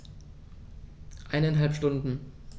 Eineinhalb Stunden